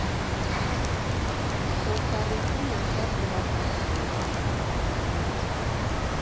Փորձառությունը շատ զվարճալի է.